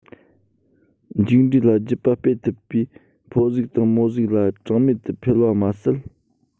མཇུག འབྲས ལ རྒྱུད པ སྤེལ ཐུབ པའི ཕོ གཟུགས དང མོ གཟུགས ལ གྲངས མེད དུ འཕེལ བ མ ཟད